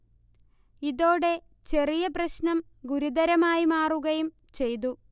ഇതോടെ ചെറിയ പ്രശ്നം ഗുരുതരമായി മാറുകയും ചെയ്തു